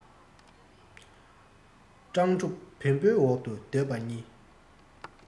སྤྲང ཕྲུག བེམ པོའི འོག ཏུ སྡོད པ གཉིས